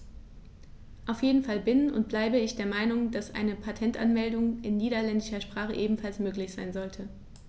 Auf jeden Fall bin - und bleibe - ich der Meinung, dass eine Patentanmeldung in niederländischer Sprache ebenfalls möglich sein sollte.